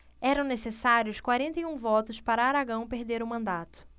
eram necessários quarenta e um votos para aragão perder o mandato